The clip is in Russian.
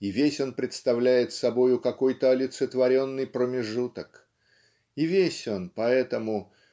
и весь он представляет собою какой-то олицетворенный промежуток и весь он поэтому